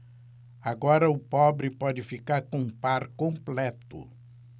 agora o pobre pode ficar com o par completo